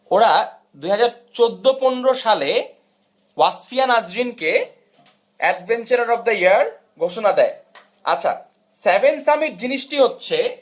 ওরা 2014-15 সালে ওয়াসফিয়া নাজরীনকে অ্যাডভেঞ্চারার অফ দ্য ইয়ার ঘোষণা দেয় আচ্ছা সেভেন সামিট জিনিসটি হচ্ছে